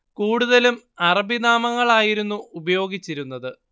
കൂടുതലും അറബി നാമങ്ങളായിരുന്നു ഉപയോഗിച്ചിരുന്നത്